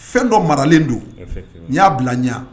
Fɛn dɔ maralen don n y'a bila ɲɛ